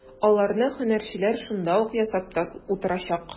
Аларны һөнәрчеләр шунда ук ясап та утырачак.